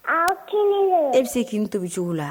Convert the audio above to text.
A kini ye, e bɛ se kini tobicogo la?